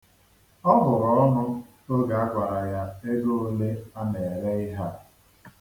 Ọ hụrụ ọnụ oge a gwara ya ego ole a na-ere ihe a.